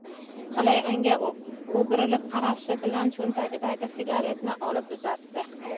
g'ilay unga o'girilib qarashi bilan cho'ntagidagi sigaretni olib uzatdi